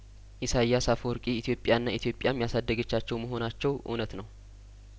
ኢሳይያስ አፈወርቂ ኢትዮጵያና ኢትዮጵያም ያሳደገቻቸው መሆናቸው እውነት ነው